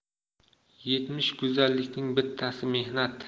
yetmish go'zallikning bittasi mehnat